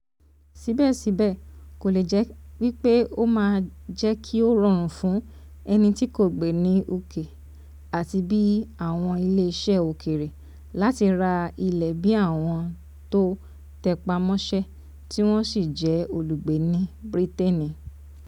Ṣíbẹ̀síbẹ̀, kò le jẹ́ wípé ó máa yẹ kí ó rọrùn fún ẹnití kò gbé ní UK, àti bí àwọn ilé iṣẹ́ òkèèrè, láti ra ilé bí àwọn tó tẹpamọ́ṣe tí wọ̀n ṣì jẹ́ olúgbẹ ní Brítèènì.